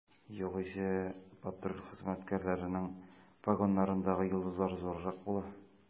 Югыйсә, патруль хезмәткәрләренең погоннарындагы йолдызлар зуррак була.